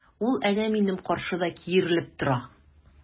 Ул әнә минем каршыда киерелеп тора!